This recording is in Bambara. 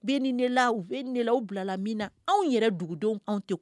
U bɛ ni nela u bɛ nela bilala min na anw yɛrɛ dugudenw anw tɛ